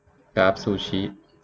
กราฟซูชิ